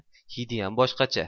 hidiyam boshqacha